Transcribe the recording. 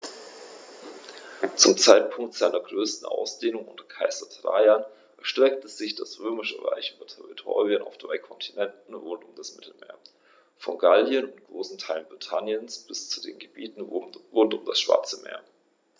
Zum Zeitpunkt seiner größten Ausdehnung unter Kaiser Trajan erstreckte sich das Römische Reich über Territorien auf drei Kontinenten rund um das Mittelmeer: Von Gallien und großen Teilen Britanniens bis zu den Gebieten rund um das Schwarze Meer.